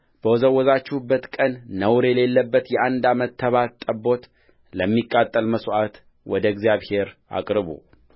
በወዘወዛችሁበት ቀን ነውር የሌለበትን የአንድ ዓመት ተባት ጠቦት ለሚቃጠል መሥዋዕት ወደ እግዚአብሔር አቅርቡ